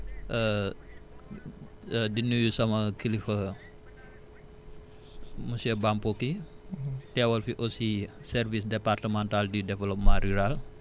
di nuyu sama kilifa monsieur Bampoki teewal fi aussi service départemental du développement rural